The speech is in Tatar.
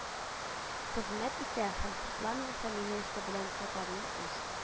Хезмәт итә һәм сыртланова фамилиясе белән татарның үз